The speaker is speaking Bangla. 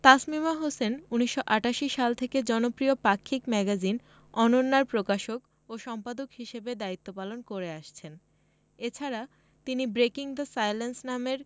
তাসমিমা হোসেন ১৯৮৮ সাল থেকে জনপ্রিয় পাক্ষিক ম্যাগাজিন অনন্যা র প্রকাশক ও সম্পাদক হিসেবে দায়িত্ব পালন করে আসছেন এ ছাড়া তিনি ব্রেকিং দ্য সাইলেন্স নামের